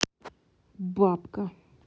бабка